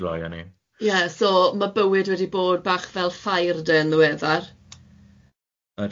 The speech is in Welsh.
Dw i byth yn siarad mod gloy â 'ny. Ie, so ma' bywyd wedi bod bach fel ffair 'de yn ddiweddar.